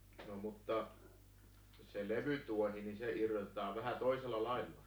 no mutta se levytuohi niin se irrotetaan vähän toisella lailla